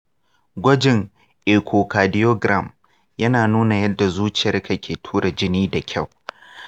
gwajin echocardiogram yana nuna yanda zuciyarka ke tura jini da kyau.